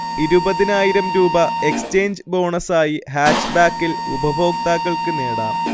ഇരുപതിനായിരം രൂപ എക്സ്ചേഞ്ച് ബോണസായി ഹാച്ച്ബാക്കിൽ ഉപഭോക്താക്കൾക്ക് നേടാം